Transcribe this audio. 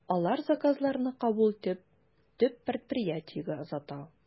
Алар заказларны кабул итеп, төп предприятиегә озата.